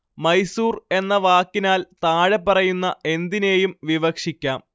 മൈസൂർ എന്ന വാക്കിനാൽ താഴെപ്പറയുന്ന എന്തിനേയും വിവക്ഷിക്കാം